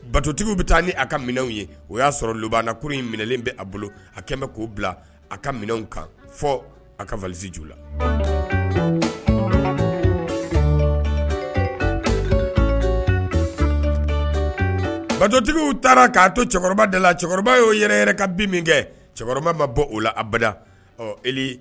Batotigiw bɛ taa ni a ka minɛnw ye o y'a sɔrɔ baakuru in minɛlen bɛ a bolo a kɛlen k'o bila a ka minɛnw kan fɔ a ka valiju la batotigiww taara k'a to cɛkɔrɔba de la cɛkɔrɔba yo yɛrɛ yɛrɛ ka bin min kɛ cɛkɔrɔba ma bɔ o la abada